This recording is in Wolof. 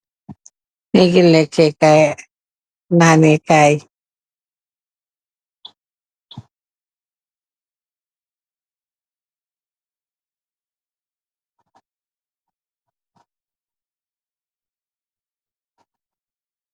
Niigi lekeekaay, baalekaay